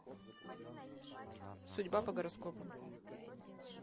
судьба по гороскопу